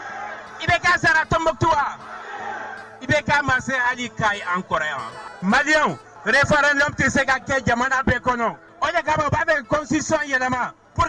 Itomɔ i bɛ ali an kɔrɔ mariafa tɛ se ka kɛ jamana bɛɛ kɔnɔ kaba bɛsi yɛlɛma